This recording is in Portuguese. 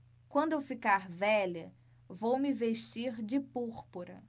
quando eu ficar velha vou me vestir de púrpura